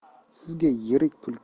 sizga yirik pul